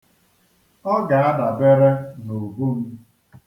Ọ ga-adabere n'ubu m.